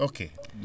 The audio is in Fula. ok